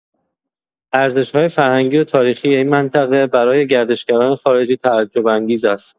ارزش‌های فرهنگی و تاریخی این منطقه برای گردشگران خارجی تعجب‌انگیز است.